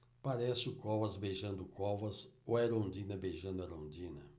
parece o covas beijando o covas ou a erundina beijando a erundina